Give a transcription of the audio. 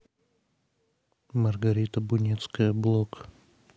маргарита бунецкая блог